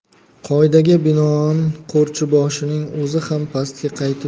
qoidaga binoan qo'rchiboshining o'zi ham pastga qaytib